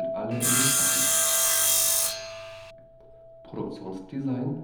alle in den Schatten. Produktionsdesign